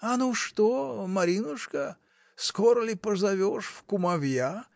— А, ну что, Маринушка: скоро ли позовешь в кумовья?